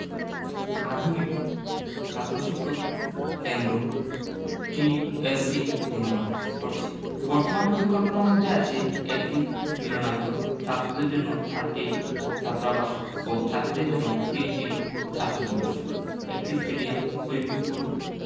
আধুনিক ছাত্র শিক্ষক কেন্দ্র টিএসসি নির্মাণ করছে বর্তমান পরিকল্পনার মধ্যে আছে একটি মিলনায়তন ছাত্রদের জন্য সাতটি ছাত্রাবাস ও ছাত্রীদের জন্য তিনটি ছাত্রীনিবাস একটি স্টেডিয়াম সুইমিং পুল